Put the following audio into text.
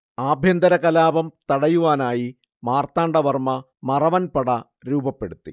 ആഭ്യന്തര കലാപം തടയുവാനായി മാർത്താണ്ഡവർമ മറവൻപട രൂപപ്പെടുത്തി